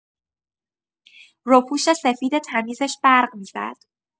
روپوش‌سفید تمیزش برق می‌زد.